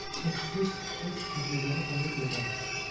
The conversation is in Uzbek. uksiz o'z kindigini o'zi kesar